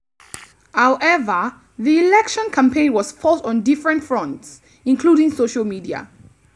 However, the election campaign was fought on different fronts, including social media.